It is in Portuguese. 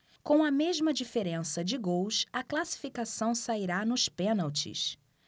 com a mesma diferença de gols a classificação sairá nos pênaltis